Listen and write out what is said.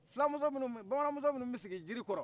fulamuso minnu bamananmuso minnu bɛ sigi jiri kɔrɔ